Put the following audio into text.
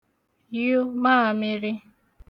yụ maāmị̄rị̄